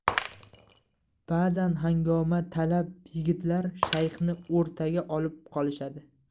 bazan hangomatalab yigitlar shayxni o'rtaga olib qolishadi